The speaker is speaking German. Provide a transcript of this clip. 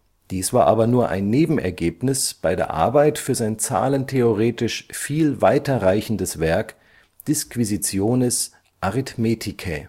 Dies war aber nur ein Nebenergebnis bei der Arbeit für sein zahlentheoretisch viel weiterreichendes Werk Disquisitiones Arithmeticae